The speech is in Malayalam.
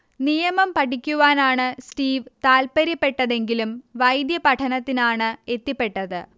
നിയമം പഠിക്കുവാനാണ് സ്റ്റീവ് താൽപര്യപ്പെട്ടതെങ്കിലും വൈദ്യപഠനത്തിനാണ് എത്തിപ്പെട്ടത്